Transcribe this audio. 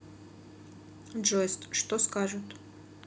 джой что скажут